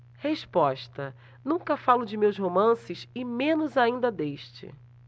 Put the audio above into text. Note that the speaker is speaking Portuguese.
resposta nunca falo de meus romances e menos ainda deste